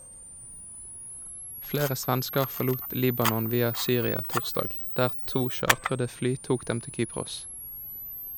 Flere svensker forlot Libanon via Syria torsdag, der to chartrede fly tok dem til Kypros.